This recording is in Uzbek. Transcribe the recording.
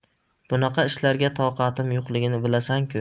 bunaqa ishlarga toqatim yo'qligini bilasan ku